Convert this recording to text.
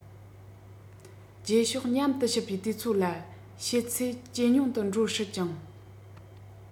རྗེས ཕྱོགས མཉམ དུ གཤིབ པའི དུས ཚོད ལ བྱེད ཚད ཇེ ཉུང དུ འགྲོ སྲིད ཅིང